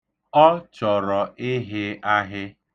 Ọ chọrọ ịhị ahị.